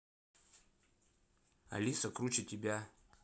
алиса круче тебя